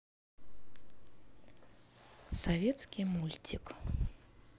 советский мультик